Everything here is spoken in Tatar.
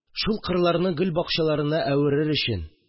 Шул кырларны гөл бакчаларына әверер өчен